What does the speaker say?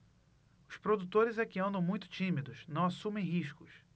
os produtores é que andam muito tímidos não assumem riscos